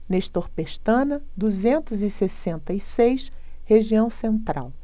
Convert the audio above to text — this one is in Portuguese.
nestor pestana duzentos e sessenta e seis região central